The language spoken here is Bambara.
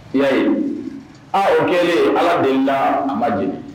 I Ya ye . A o kɛlen Ala delila a ma jeni